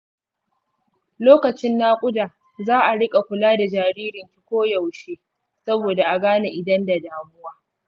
lokacin naƙuda za'a riƙa kula da jaririnki koyaushe saboda a gane idan da damuwa